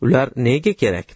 ular nega kerak